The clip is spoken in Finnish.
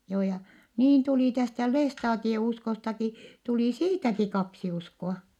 joo ja niin tuli tästä lestadiouskostakin tuli siitäkin kaksi uskoa